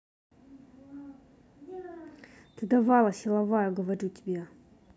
ты давала силовая говорю тебе